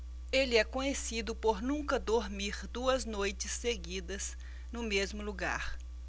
ele é conhecido por nunca dormir duas noites seguidas no mesmo lugar